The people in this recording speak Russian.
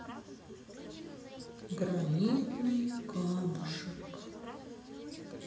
гранитный камушек